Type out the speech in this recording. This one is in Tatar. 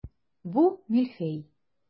Бу мильфей.